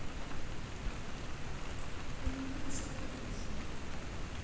понимаешь и говоришь